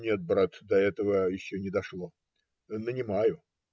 - Нет, брат, до этого еще не дошло. Нанимаю.